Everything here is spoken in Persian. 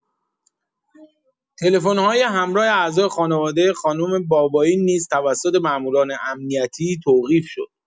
تلفن‌های همراه اعضای خانواده خانم بابایی نیز توسط ماموران امنیتی توقیف شد.